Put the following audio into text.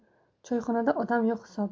choyxonada odam yo'q hisob